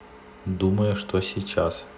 думаю что сейчас